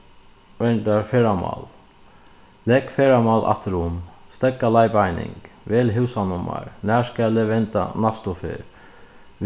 verndar ferðamál legg ferðamál afturum støðga leiðbeining vel húsanummar nær skal eg venda næstu ferð